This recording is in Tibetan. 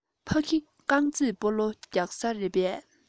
ཕ གི རྐང རྩེད སྤོ ལོ རྒྱག ས རེད པས